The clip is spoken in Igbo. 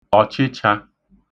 ọ̀chịchā